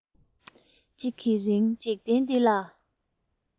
གཅིག གི རིང འཇིག རྟེན འདི ལ